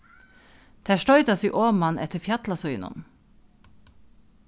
tær stoyta seg oman eftir fjallasíðunum